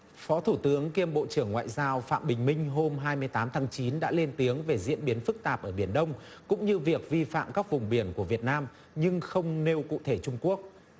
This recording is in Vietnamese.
phó thủ tướng kiêm bộ trưởng ngoại giao phạm bình minh hôm hai mươi tám tháng chín đã lên tiếng về diễn biến phức tạp ở biển đông cũng như việc vi phạm các vùng biển của việt nam nhưng không nêu cụ thể trung quốc